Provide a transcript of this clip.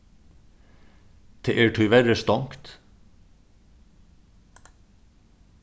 tað er tíverri stongt